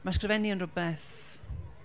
ma' sgwennu yn rhywbeth...